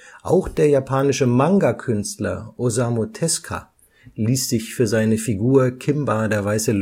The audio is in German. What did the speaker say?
Auch der japanische Manga-Künstler Osamu Tezuka ließ sich für seine Figur Kimba, der weiße